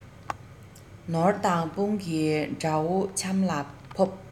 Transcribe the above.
ནོར དང དཔུང གིས དགྲ བོ ཆམ ལ ཕོབ